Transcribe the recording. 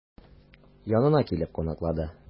Янына килеп кунаклады.